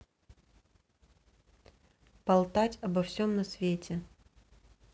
болтать обо всем на свете